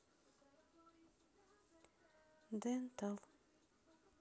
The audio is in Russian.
дентал